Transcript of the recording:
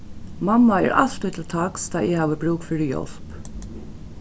mamma er altíð til taks tá eg havi brúk fyri hjálp